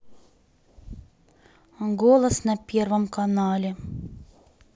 голос на первом канале